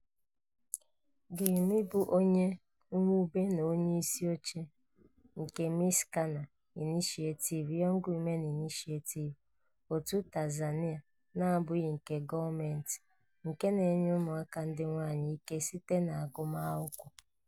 Gyumi bụ onye mwube na onyeisioche nke Msichana Initiative (Young Woman Initiative), òtù Tanzania na-abụghị nke gọọmentị nke na-enye ụmụ aka ndị nwaanyị ike site n'agụmakwụkwọ.